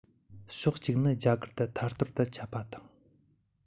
ཕྱོགས གཅིག ནི རྒྱ གར དུ ཐར ཐོར དུ ཁྱབ པ དང